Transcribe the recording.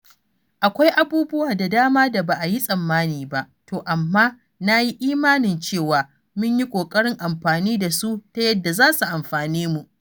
Akwai abubuwa da dama da ba a yi tsammani ba, to amma na yi imanin cewa mun yi ƙoƙarin amfani da su ta yadda za su amfane mu.